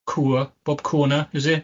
Cŵyr bob, cŵr yna is it?